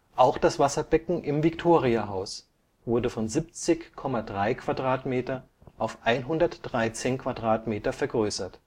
Auch das Wasserbecken im Victoria-Haus wurde von 70,3 m² auf 113 m² vergrößert